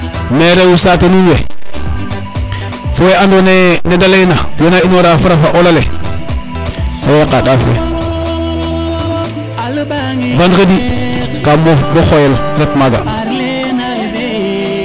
mais rew saate nuun we fo we ando naye nede leyna wena inora farafa olale owey yaqa ndaaf ke vendredi kam moof bo xoyel ret maga